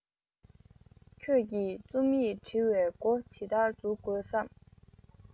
ཁྱོད ཀྱིས རྩོམ ཡིག འབྲི བའི མགོ ཇི ལྟར འཛུགས དགོས སམ